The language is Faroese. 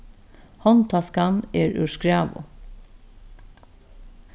hondtaskan er úr skræðu